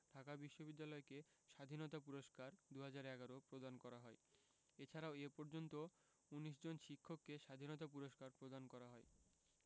ঢাকা বিশ্ববিদ্যালয়কে স্বাধীনতা পুরস্কার ২০১১ প্রদান করা হয় এছাড়াও এ পর্যন্ত ১৯ জন শিক্ষককে স্বাধীনতা পুরস্কার প্রদান করা হয়